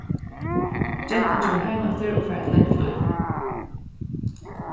gentan kemur heim aftur og fær eitt langt lív